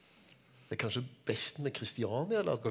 det er kanskje best med Christiania eller?